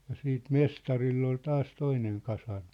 ja sitten mestarilla oli taas toinen kasarmi